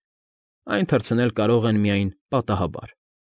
Այն թռցնել կարող են միայն պատահաբար։